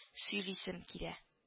Сөйлисем килә